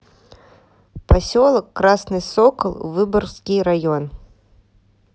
поселок красный сокол выборгский район